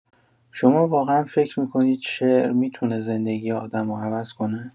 شما واقعا فکر می‌کنید شعر می‌تونه زندگی آدمو عوض کنه؟